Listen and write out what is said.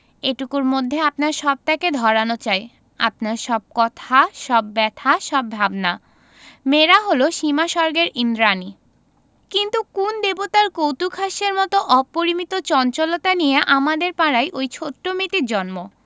এটুকুর মধ্যে আপনার সবটাকে ধরানো চাই আপনার সব কথা সব ব্যাথা সব ভাবনা মেয়েরা হল সীমাস্বর্গের ঈন্দ্রাণী কিন্তু কোন দেবতার কৌতূকহাস্যের মত অপরিমিত চঞ্চলতা নিয়ে আমাদের পাড়ায় ঐ ছোট মেয়েটির জন্ম